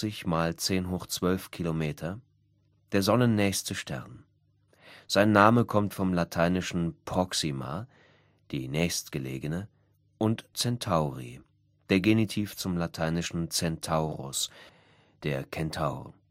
43·1012 km) der sonnennächste Stern. Sein Name kommt vom lateinischen proxima („ die Nächstgelegene “) und Centauri (der Genitiv zum lat. Centaurus, der Kentaur